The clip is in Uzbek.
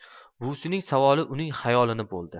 buvisining savoli uning xayolini bo'ldi